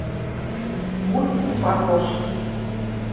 мультики про кошки